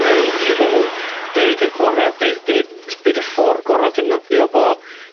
neud efo hwn. Be' 'di'r gora be' be' s- be' 'di'r ffor gora' o defnyddio fo ...